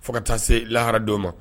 Fo ka taa se laharadenw ma